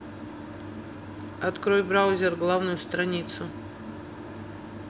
открой браузер главную страницу